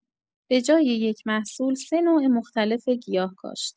به‌جای یک محصول، سه نوع مختلف گیاه کاشت.